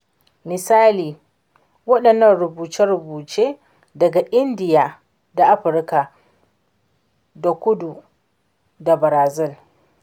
Misali, waɗannan rubuce-rubucen daga India da Afirka ta Kudu da Brazil.